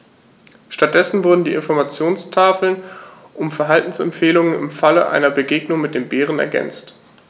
Stattdessen wurden die Informationstafeln um Verhaltensempfehlungen im Falle einer Begegnung mit dem Bären ergänzt.